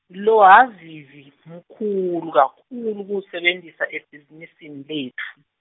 lohhavivi, mkhulu, kakhulu kuwusebentisa ebhizinisini letfu.